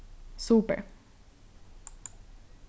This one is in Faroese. super